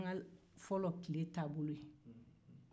o tun ye fɔlɔ tile taabolo ye